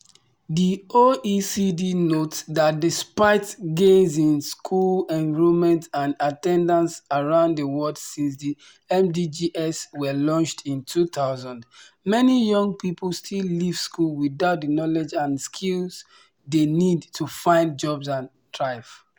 The OECD notes that despite gains in school enrollment and attendance around the world since the MDGs were launched in 2000, many young people still leave school without the knowledge and skills they need to find jobs and thrive.